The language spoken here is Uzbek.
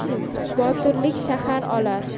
botirlik shahar olar